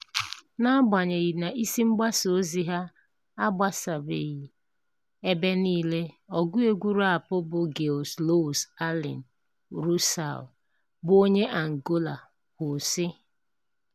Na-agbanyeghị na isi mgbasa ozi ha agbasabeghị ebe niile, ọgụ egwu raapụ bụ Gil Slows Allen Russel bụ onye Angola kwuru sị: